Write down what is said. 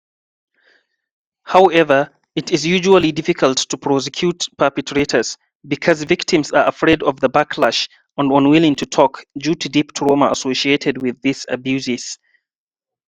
However, it is usually difficult to prosecute perpetrators because victims are afraid of the backlash and unwilling to talk due to deep trauma associated with these abuses.